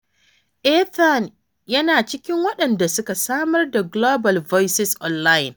Ethan yana cikin waɗanda suka samar da Global Voices Online.